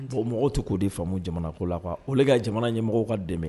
Bɔn mɔgɔw tɛ k'o de faamamu jamana ko la o de ka jamana yemɔgɔ ka dɛmɛ